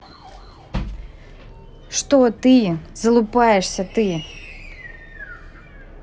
что ты залупаешься ты